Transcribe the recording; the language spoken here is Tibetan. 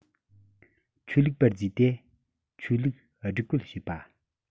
ཆོས ལུགས པར རྫུས ཏེ ཆོས ལུགས སྒྲིག བཀོད བྱེད པ